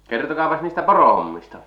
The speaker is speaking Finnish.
kertokaapas niistä porohommista